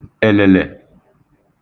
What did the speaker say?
èlèlè